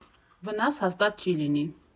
Վնաս հաստատ չի լինի։